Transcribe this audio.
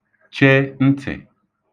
che ntị̀